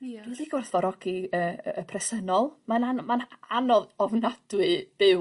Ia. ...dwi 'di gwerthfawrogi y y presennol ma'n an- ma'n anodd ofnadwy byw